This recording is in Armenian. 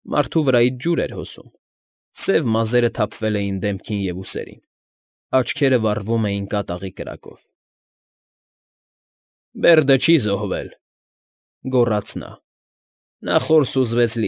Մարդու վրայից ջուր էր հոսում, սև մազերը թափվել էին դեմքին և ուսերին, աչքերը վառվում էին կատաղի կրակով։ ֊ Բերդը չի զոհվել,֊ գոռաց նա։֊ Նա խոր սուզվեց։